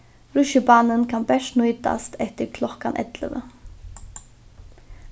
russjibanin kann bert nýtast eftir klokkan ellivu